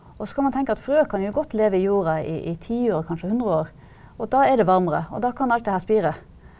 og så kan man tenke at frø kan jo godt leve i jorda i i ti år, kanskje 100 år, og da er det varmere, og da kan alt det her spire.